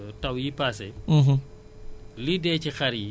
élevage bi tamit am na ci part bu am solo